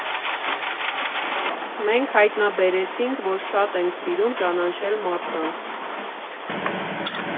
Մենք հայտնաբերեցինք, որ շատ ենք սիրում ճանաչել մարդկանց։